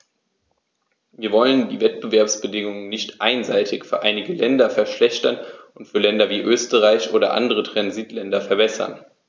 Wir wollen die Wettbewerbsbedingungen nicht einseitig für einige Länder verschlechtern und für Länder wie Österreich oder andere Transitländer verbessern.